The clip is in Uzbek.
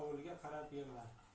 ovulga qarab yig'lar